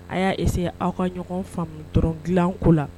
A ya essaye aw ka ɲɔgɔn faamu dɔrɔn gilan ko la.